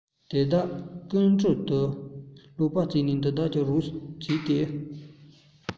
དེ དག ཀུའེ ཀྲོའུ དུ ལོག ནས བྱིས པ འདི དག ལ རོགས བྱས ཏེ